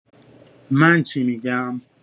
من چی می‌گم؟